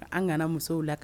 An kana musow la